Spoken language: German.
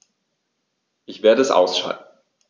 Ich werde es ausschalten